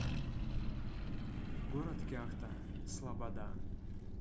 город кяхта слобода